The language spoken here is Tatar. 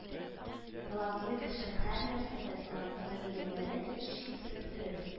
Талантлы кеше һәрнәрсәдә талантлы дигәннәре, һичшиксез, дөрес